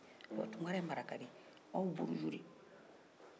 an buruju dɛ anw ye waliju siw de ye